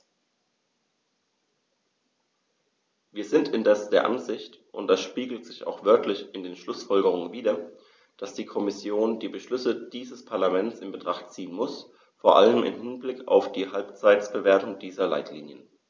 Wir sind indes der Ansicht und das spiegelt sich auch wörtlich in den Schlussfolgerungen wider, dass die Kommission die Beschlüsse dieses Parlaments in Betracht ziehen muss, vor allem im Hinblick auf die Halbzeitbewertung dieser Leitlinien.